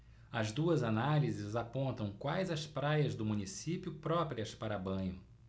as duas análises apontam quais as praias do município próprias para banho